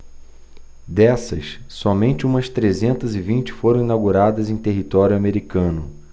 dessas somente umas trezentas e vinte foram inauguradas em território americano